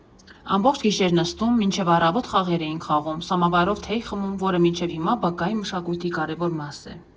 Ամբողջ գիշեր նստում, մինչև առավոտ խաղեր էինք խաղում, սամավարով թեյ խմում, որը մինչև հիմա բակային մշակույթի կարևոր մաս է։